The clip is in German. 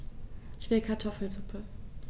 Ich will Kartoffelsuppe.